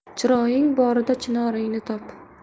chiroying borida chinoringni top